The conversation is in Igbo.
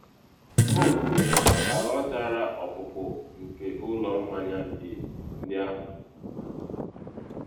O kwuru na aghọtara ọpụpụ nke ụlọ mmanya ndị ahụ.